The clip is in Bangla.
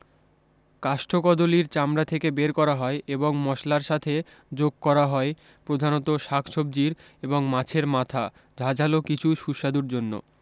কাষ্ঠকদলীর চামড়া থেকে বের করা হয় এবং মশলার সাথে যোগ করা হয় প্রধানত শাকসবজির এবং মাছের মাথা ঝাঝালো কিছু সুস্বাধুর জন্য